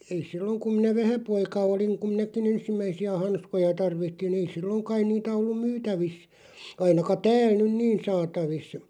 ei silloin kun minä vähäpoika olin kun minäkin ensimmäisiä hanskoja tarvitsin ei silloin kai niitä ollut myytävissä ainakaan täällä nyt niin saatavissa